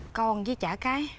con với chả cái